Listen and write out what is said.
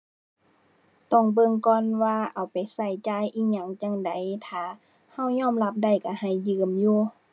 ต้องเบิ่งก่อนว่าเอาไปใช้จ่ายอิหยังจั่งใด ถ้าใช้ยอมรับได้ใช้ให้ยืมอยู่